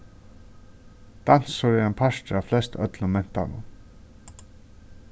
dansur er ein partur av flest øllum mentanum